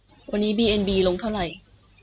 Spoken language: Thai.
วันนี้บีเอ็นบีลงเท่าไหร่